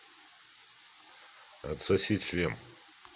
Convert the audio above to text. отсоси член